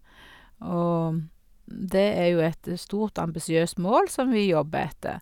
Og det er jo et stort, ambisiøst mål som vi jobber etter.